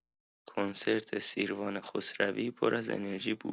کنسرت سیروان خسروی پر از انرژی بود.